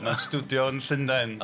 Mewn stwdio yn Llundain.